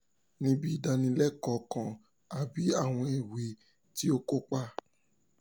Níbi ìdánilẹ́kọ̀ọ́ kan, a bi àwọn èwe tí ó kópa: